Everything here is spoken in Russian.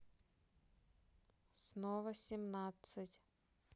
снова семнадцать